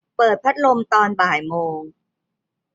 เปิดพัดลมตอนบ่ายโมง